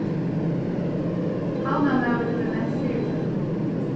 havnarmaður hevur ment fyritøku